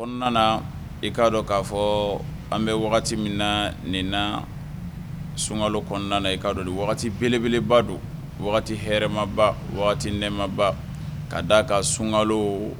O nana i k ka dɔn ka fɔ an bɛ wagati min na nin na sunka kɔnɔna i ka belebeleba don wagati hɛmaba wagati nɛmaba ka da kan sunkalo